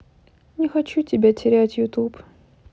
не хочу тебя терять youtube